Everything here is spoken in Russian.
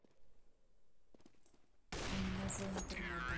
у меня за интернетом